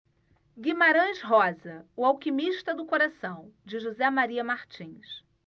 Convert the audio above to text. guimarães rosa o alquimista do coração de josé maria martins